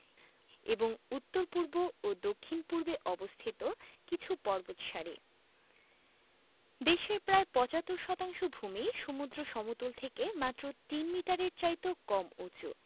এবং উত্তর পূর্ব ও দক্ষিণ পূর্বে অবস্থিত কিছু পর্বতসারি দেশের প্রায় ৭৫ শতাংশ ভূমিই সমুদ্র সমতল থেকে মাত্র তিন মিটারের চাইতেও কম উঁচু